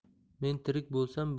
men tirik bo'lsam